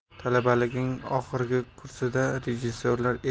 talabaligining oxirgi kursida rejissorlar